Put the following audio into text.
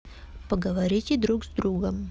поговорите друг с другом